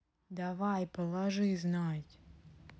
давай положи знать